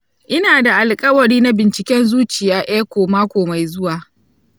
ina da alƙawari na binciken zuciya echo mako mai zuwa.